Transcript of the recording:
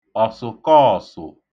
ọ̀sụ̀kọọ̀sụ̀